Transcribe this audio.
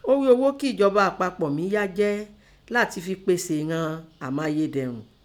Ọ́ ghíi oghó kín ẹ̀jọba àpapọ̀ mí yá jẹ́ látin fi pèsè ìnan amáyédẹrùn.